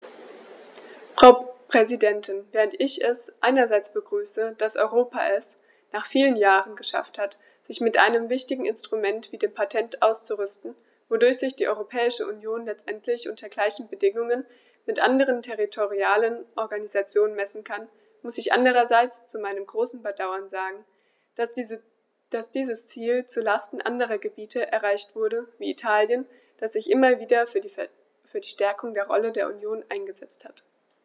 Frau Präsidentin, während ich es einerseits begrüße, dass Europa es - nach vielen Jahren - geschafft hat, sich mit einem wichtigen Instrument wie dem Patent auszurüsten, wodurch sich die Europäische Union letztendlich unter gleichen Bedingungen mit anderen territorialen Organisationen messen kann, muss ich andererseits zu meinem großen Bedauern sagen, dass dieses Ziel zu Lasten anderer Gebiete erreicht wurde, wie Italien, das sich immer wieder für die Stärkung der Rolle der Union eingesetzt hat.